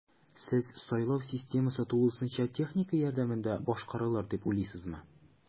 Сез сайлау системасы тулысынча техника ярдәмендә башкарарылыр дип уйлыйсызмы?